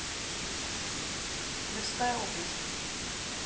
тверская область